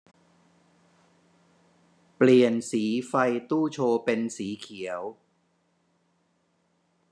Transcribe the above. เปลี่ยนสีไฟตู้โชว์เป็นสีเขียว